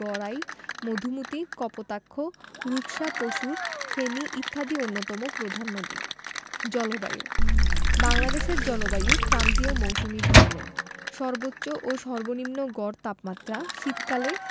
গড়াই মধুমতি কপোতাক্ষ রূপসা পসুর ফেনী ইত্যাদি অন্যতম প্রধান নদী জলবায়ুঃ বাংলাদেশের জলবায়ু ক্রান্তীয় মৌসুমি ধরনের সর্বোচ্চ ও সর্বনিম্ন গড় তাপমাত্রা শীতকালে